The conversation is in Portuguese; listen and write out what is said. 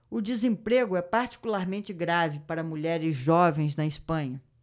o desemprego é particularmente grave para mulheres jovens na espanha